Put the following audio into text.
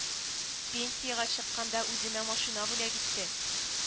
Пенсиягә чыкканда үземә машина бүләк итте